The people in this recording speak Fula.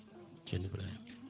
ceerno Ibrahima